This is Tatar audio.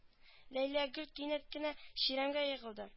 Ләйләгөл кинәт кенә чирәмгә егылды